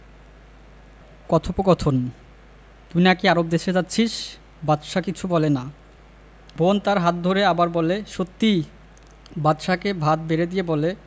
কথোপকথন তুই নাকি আরব দেশে যাচ্ছিস বাদশা কিছু বলে না বোন তার হাত ধরে আবার বলে সত্যি বাদশাকে ভাত বেড়ে দিয়ে বলে